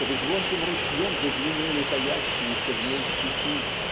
чтобы звонким ручьем зазвенели таящиеся в ней стихи